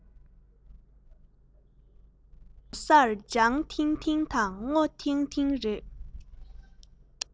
གང སར ལྗང ཐིང ཐིང དང སྔོ སིལ སིལ རེད